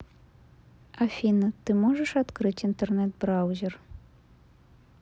афина ты можешь открыть интернет браузер